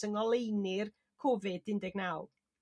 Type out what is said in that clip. yng ngoleuni'r covid undeg naw?